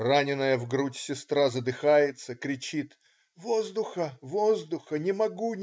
Раненная в грудь сестра задыхается, кричит: "воздуха! воздуха! не могу!